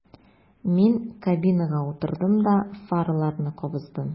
Мин кабинага утырдым да фараларны кабыздым.